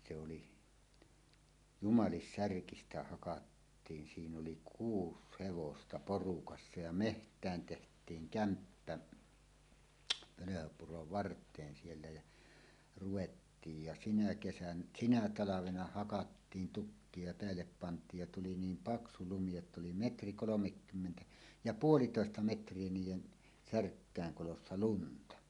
se oli Jumalissärkistä hakattiin siinä oli kuusi hevosta porukassa ja metsään tehtiin kämppä Pölhönpuron varteen siellä ja ruvettiin ja siinä - sinä talvena hakattiin tukkeja ja päälle pantiin ja tuli niin paksu lumi jotta oli metri kolmekymmentä ja puolitoista metriä niiden särkkien kolossa lunta